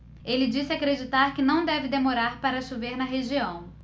ele disse acreditar que não deve demorar para chover na região